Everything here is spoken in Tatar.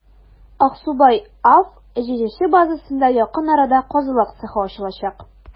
«аксубай» аф» җчҗ базасында якын арада казылык цехы ачылачак.